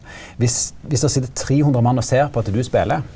viss viss det sit 300 mann og ser på at du speler.